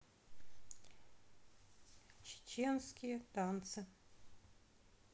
чеченские танцы